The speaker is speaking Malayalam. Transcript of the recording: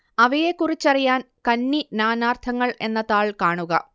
അവയെക്കുറിച്ചറിയാൻ കന്നി നാനാർത്ഥങ്ങൾ എന്ന താൾ കാണുക